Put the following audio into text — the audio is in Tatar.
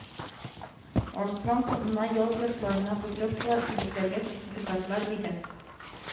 Арслан кызына ял йортларына путевкалар, кибетләргә сертификатлар биреп